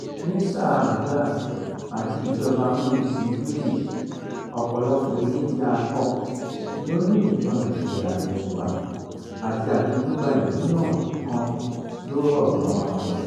Ní sáàa Mughal àti ìjọba amúnisìn British, ọ̀pọ̀lọpọ̀ ilé tí a kọ́ ni ó ní ìtàn-ìṣẹ̀lẹ̀-àtẹ̀yìnwá àti àjogúnbá ìlú náà kan tí ó rọ̀ mọ́ ọn.